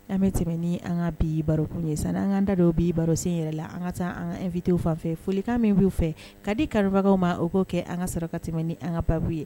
An bɛ tɛmɛ ni an ka bi barokun ye san an ka da dɔw b baroro sen yɛrɛ la an ka taa an anfitw fan fɛ folikan min' fɛ ka di karamɔgɔbagaww ma o'o kɛ an ka saraka ka tɛmɛn ni an ka panbu ye